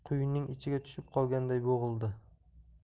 yana quyunning ichiga tushib qolganday bo'g'ildi